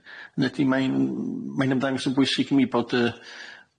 Hynny ydi, ma' i'n ma' i'n ymddangos yn bwysig i mi bod y